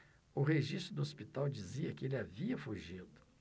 o registro do hospital dizia que ele havia fugido